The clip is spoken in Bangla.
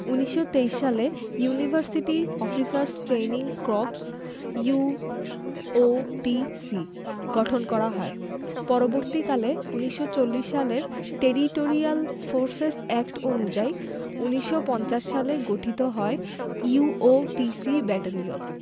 ১৯২৩ সালে University Officers Training Corps UOTC গঠন করা হয় পরবর্তীকালে ১৯৪০ সালের টেরিটরিয়াল ফর্সেস এক্ট অনুযায়ী ১৯৫০ সালে গঠিত হয় ইউওটিসি ব্যাটালিয়ন